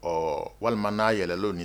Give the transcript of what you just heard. Ɔ walima n'aɛlɛnlo ɲini